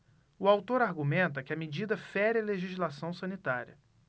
o autor argumenta que a medida fere a legislação sanitária